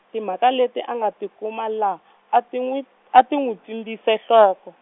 timhaka leti a nga ti kuma la, a ti n'wi a ti n'wi pfimbise nhloko.